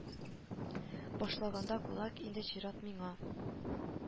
Башлаганда кунак, инде чират миңа